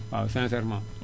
waaw sincerement